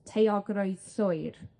Taeogrwydd llwyr.